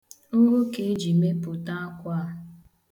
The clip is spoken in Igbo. Ogho ka e ji mepụta akwa a .